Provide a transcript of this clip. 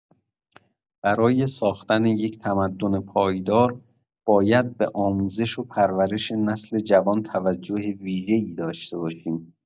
برای ساختن یک تمدن پایدار باید به آموزش و پرورش نسل جوان توجه ویژه‌ای داشته باشیم.